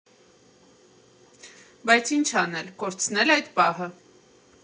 Բայց ի՞նչ անել, կորցնե՞լ այդ պահը։